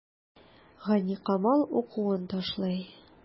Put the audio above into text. Гайникамал укуын ташлый.